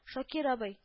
Шакир абый…